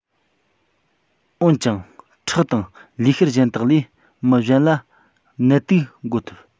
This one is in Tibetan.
འོན ཀྱང ཁྲག དང ལུས གཤེར གཞན དག ལས མི གཞན ལ ནད དུག འགོ ཐུབ